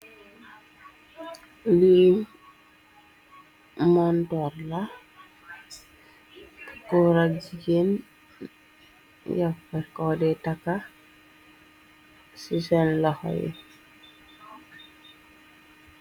Lu montorla goor ak jigen dafa kode takka ci sen loxo yi.